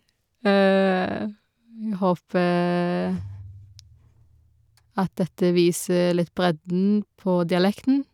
Jeg håper at dette viser litt bredden på dialekten.